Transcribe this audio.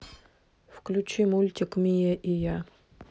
включи мультик мия и я